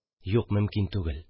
Юк, мөмкин түгел!